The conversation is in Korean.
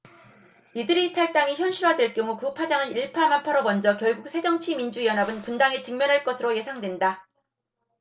이들의 탈당이 현실화 될 경우 그 파장은 일파만파로 번져 결국 새정치민주연합은 분당에 직면할 것으로 예상된다